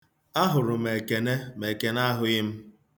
Ahụrụ m Ekene ma Ekene ahụghị m.